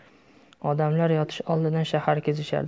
odamlar yotish oldidan shahar kezishardi